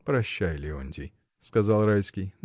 — Прощай, Леонтий, — сказал Райский.